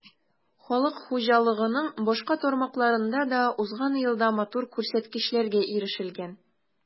Халык хуҗалыгының башка тармакларында да узган елда матур күрсәткечләргә ирешелгән.